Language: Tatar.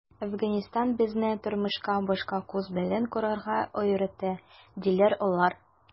“әфганстан безне тормышка башка күз белән карарга өйрәтте”, - диләр алар.